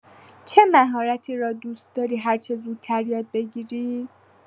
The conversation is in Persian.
چه مهارتی را دوست‌داری هرچه زودتر یاد بگیری؟